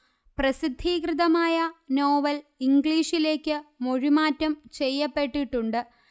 പ്രസിദ്ധീകൃതമായ novel ഇംഗ്ലീഷിലേയ്ക്ക് മൊഴിമാറ്റം ചെയ്യപ്പെട്ടിട്ടുണ്ട്